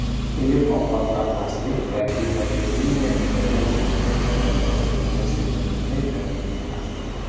to'yib ovqatlanmaslik va gipotermiya tufayli mamlakatda bolalar o'limi sezilarli darajada oshdi